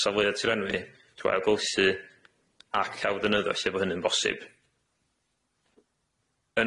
safleuodd tirlenwi trw algylchi ac aildefnyddio lle bo hynny'n bosib.